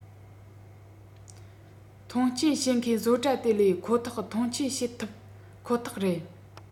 ཐོན སྐྱེད བྱེད མཁན བཟོ གྲྭ དེ ལས ཁོ ཐག མཐོང ཆེན བྱེད ཐུབ ཁོ ཐག རེད